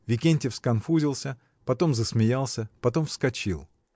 Викентьев сконфузился, потом засмеялся, потом вскочил.